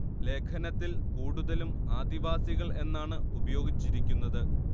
ലേഖനത്തിൽ കൂടുതലും ആദിവാസികൾ എന്നാണ് ഉപയോഗിച്ചിരിക്കുന്നത്